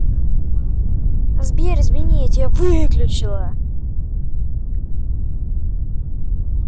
сбер извини я тебя выключила